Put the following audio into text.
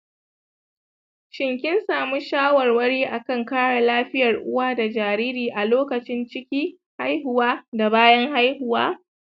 shin kinsamu shawarwari akan kare lafiyar uwa da jariri a lokacin ciki, haihuwa, da bayan haihuwa?